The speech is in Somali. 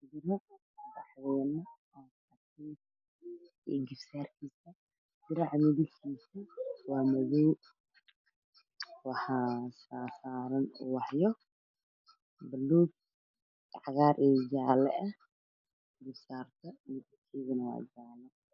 Waa madaw waxasaaran ubaxyo cagaar iyo jaale eh